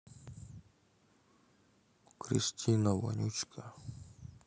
кристина вонючка